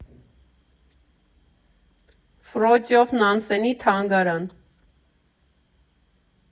Ֆրոտյոֆ Նանսենի թանգարան։